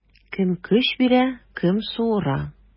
Кем көч бирә, кем суыра.